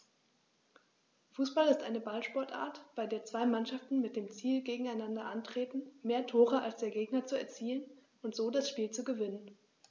Fußball ist eine Ballsportart, bei der zwei Mannschaften mit dem Ziel gegeneinander antreten, mehr Tore als der Gegner zu erzielen und so das Spiel zu gewinnen.